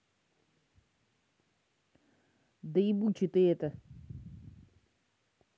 да ебучий ты это